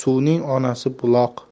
suvning onasi buloq